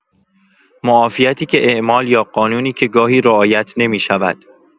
معافیتی که اعمال یا قانونی که گاهی رعایت نمی‌شود.